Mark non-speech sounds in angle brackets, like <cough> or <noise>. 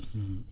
<hesitation> <hesitation>